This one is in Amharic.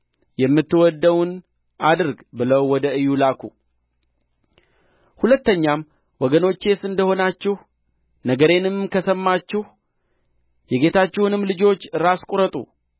የምትወድደውን አድርግ ብለው ወደ ኢዩ ላኩ ሁለተኛም ወገኖቼስ እንደ ሆናችሁ ነገሬንም ከሰማችሁ የጌታችሁን ልጆች ራስ ቍረጡ